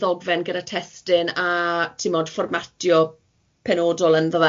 gyda testun a ti'mod fformatio penodol ynddo fe.